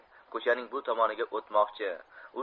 ko'chaning bu tomoniga o'tmoqchi